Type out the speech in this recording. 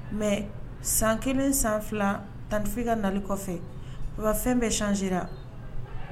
Mɛ san kelen san fila tanfin ka nali kɔfɛ baba fɛn bɛ sanji